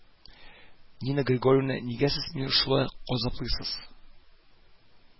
Нина Григорьевна, нигә сез мине шулай газаплыйсыз